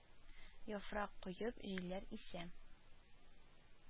Яфрак коеп көзге җилләр исә